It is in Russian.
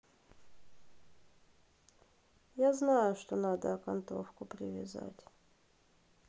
я знаю что надо окантовку привязать